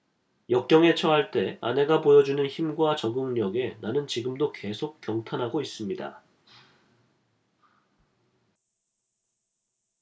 역경에 처할 때 아내가 보여 주는 힘과 적응력에 나는 지금도 계속 경탄하고 있습니다